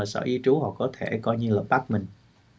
sở di trú hoặc có thể coi như bác mình